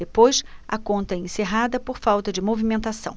depois a conta é encerrada por falta de movimentação